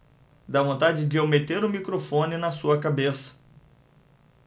dá vontade de eu meter o microfone na sua cabeça